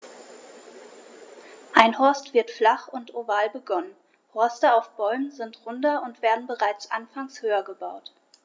Ein Horst wird flach und oval begonnen, Horste auf Bäumen sind runder und werden bereits anfangs höher gebaut.